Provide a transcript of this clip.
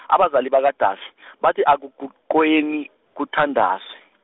abazali bakaDavi , bathi akuguqweni, kuthandazwe.